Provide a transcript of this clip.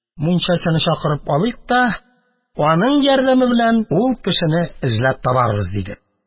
Мунчачыны чакырып алыйк та аның ярдәме белән ул кешене эзләп табарбыз, – диде.